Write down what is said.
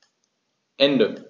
Ende.